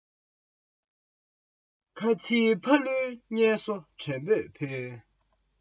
ཁ ཆེ ཕ ལུའི བསྙེལ གསོ དྲན པོས ཕུལ